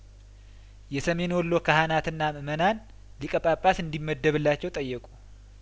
የሰሜን ወሎ ካህናትና ምእመናን ሊቀ ጳጳስ እንዲመደብላቸው ጠየቁ